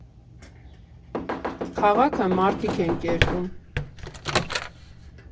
Քաղաքը մարդիկ են կերտում։